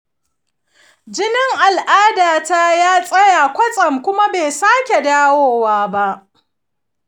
jinin al’adata ya tsaya kwatsam kuma bai sake dawowa ba.